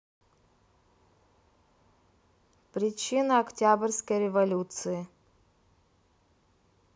причина октябрьской революции